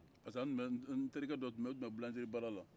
parce que nterikɛ dɔ tun bɛ yen o tun bɛ nbuurudilanyɔrɔ baara la